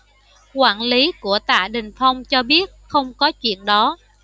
quản lý của tạ đình phong cho biết không có chuyện đó